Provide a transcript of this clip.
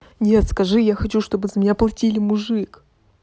нет скажи я хочу чтобы за меня платили мужик